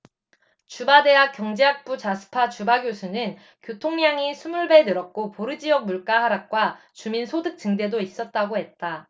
주바대학 경제학부 자스파 주바 교수는 교통량이 스물 배 늘었고 보르 지역 물가 하락과 주민 소득 증대도 있었다고 했다